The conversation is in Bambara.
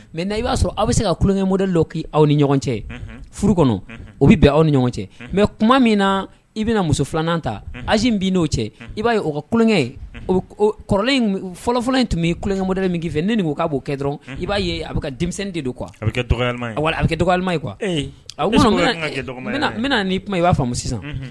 Mɛ i b'a sɔrɔ aw bɛ se ka kolokɛmodenlɔ k' aw ni ɲɔgɔn cɛ furu kɔnɔ o bɛ bɛn aw ni ɲɔgɔn cɛ mɛ kuma min na i bɛna muso filanan ta az bin n'o cɛ i b'a ye o ka kolokɛ ye o fɔlɔfɔlɔ in tun bɛ kolokɛmoden bɛ min' fɛ ne ko k' b'o kɛ dɔrɔn i b'a ye a bɛ ka denmisɛn de a a bɛ kɛ dɔgɔlima ye qu a ni kuma i b'a faamu sisan